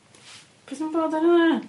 Be' sy'n bod ar wnna?